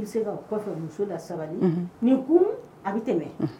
I bɛ se ka kɔfɛ muso la sabali ni ko a bɛ tɛmɛ